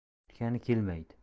kutgani kelmaydi